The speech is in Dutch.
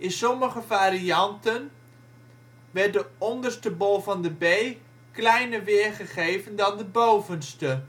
sommige varianten werd de onderste bol van de ' B ' kleiner weergegeven dan de bovenste. Op 18